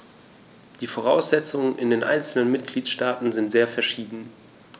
Die Voraussetzungen in den einzelnen Mitgliedstaaten sind sehr verschieden.